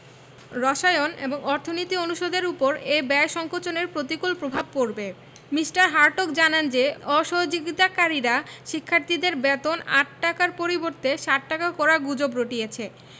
রসায়ন এবং অর্থনীতি অনুষদের ওপর এ ব্যয় সংকোচনের প্রতিকূল প্রভাব পড়বে মি. হার্টগ জানান যে অসহযোগিতাকারীরা শিক্ষার্থীদের বেতন ৮ টাকার পরিবর্তে ৬০ টাকা করার গুজব রটিয়েছে